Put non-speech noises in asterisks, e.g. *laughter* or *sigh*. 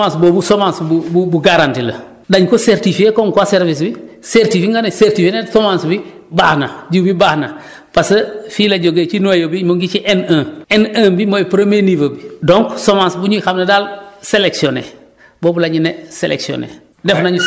parce que semence boobu semence bu bu bu garanti la dañu ko certifiée comme quoi service bi certifié nga ne certifiée ne semence bi baax na jiw bi baax na *breath* parce que fii la jógee ci noyau bi mu ngi ci N1 N1 bi mooy premier niveau bi donc semence bu ñuy xamle daal sellectionnée boobu la ñu ne sellectionnée